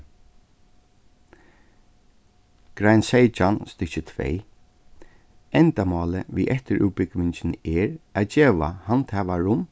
grein seytjan stykki tvey endamálið við eftirútbúgvingini er at geva